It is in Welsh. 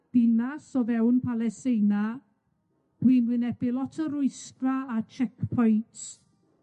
dinas o fewn Palesteina, dwi'n wynebu lot o rwystra' a checkpoints